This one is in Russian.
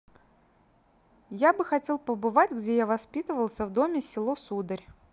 я бы хотел побывать где я воспитывался в доме село сударь